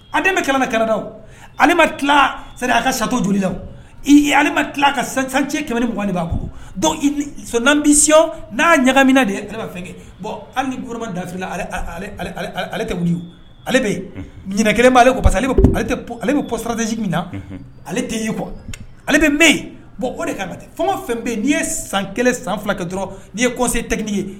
Aden kɛlɛ kɛrada ali tila a ka sato joli la i ali tila ka san cɛ kɛmɛ ni muganin b'a bolo son bɛ siɔn n'a ɲagamina de fɛn kɛ bɔn ali nima dakila ale tɛ wu ale bɛ yen ɲkelen b'ale ko parce ale ale ale bɛ psaradsi min na ale tɛ'ikɔ ale bɛ bɛ yen bɔn o de ka fɛn fɛn bɛ n'i ye san kelen san filakɛ dɔrɔn nii ye kɔse tɛ ye